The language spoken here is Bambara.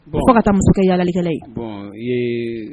O fo ka taa masakɛ yaalikɛ ye